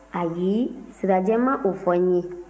ayi sirajɛ ma o fɔ n ye